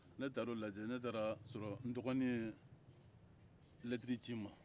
ne taar'o lajɛ ne taara sɔrɔ n dɔgɔni ye lɛtɛrɛ ci n ma